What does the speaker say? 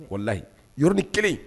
O layi y yɔrɔ ni kelen